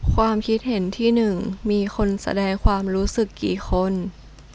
ความคิดเห็นที่หนึ่งมีคนแสดงความรู้สึกกี่คน